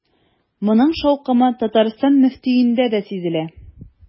Моның шаукымы Татарстан мөфтиятендә дә сизелә.